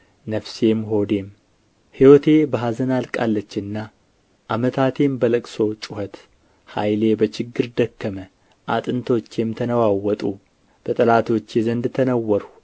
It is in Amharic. ነፍሴም ሆዴም ሕይወቴ በኅዘን አልቃለችና ዓመታቴም በልቅሶ ጩኸት ኃይሌ በችግር ደከመ አጥንቶቼም ተነዋወጡ በጠላቶቼ ዘንድ ተነወርኹ